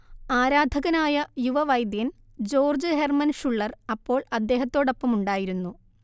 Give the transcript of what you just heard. ആരാധകനായ യുവവൈദ്യൻ George Hermann Schuller അപ്പോൾ അദ്ദേഹത്തോടൊപ്പമുണ്ടായിരുന്നു